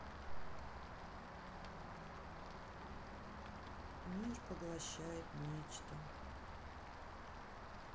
мир поглощает нечто